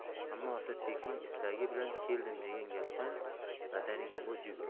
ammo asadbekning istagi bilan keldim degan gapdan badaniga muz yugurdi